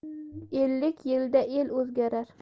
ellik yilda el o'zgarar